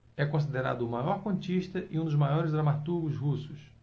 é considerado o maior contista e um dos maiores dramaturgos russos